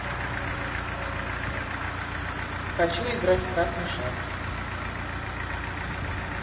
хочу играть в красный шар